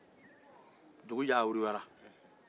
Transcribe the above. dugu yayuruyara